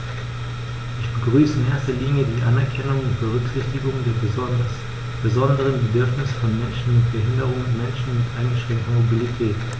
Ich begrüße in erster Linie die Anerkennung und Berücksichtigung der besonderen Bedürfnisse von Menschen mit Behinderung und Menschen mit eingeschränkter Mobilität.